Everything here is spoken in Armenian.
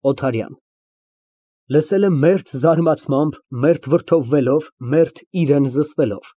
ՕԹԱՐՅԱՆ ֊ (Լսել է մերթ զարմացած, մերթ վրդովվելով, մերթ իրան զսպելով)